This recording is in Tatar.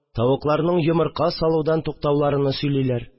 Тавыкларның йомырка салудан туктауларыны сөйлиләр